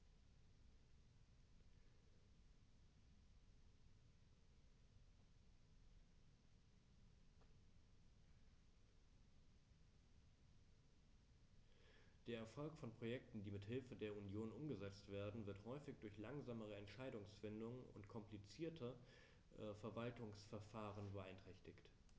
Der Erfolg von Projekten, die mit Hilfe der Union umgesetzt werden, wird häufig durch langsame Entscheidungsfindung und komplizierte Verwaltungsverfahren beeinträchtigt.